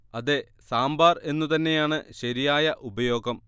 അതെ സാമ്പാർ എന്നു തന്നെയാണ് ശരിയായ ഉപയോഗം